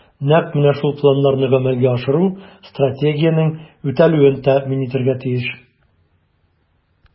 Нәкъ менә шул планнарны гамәлгә ашыру Стратегиянең үтәлүен тәэмин итәргә тиеш.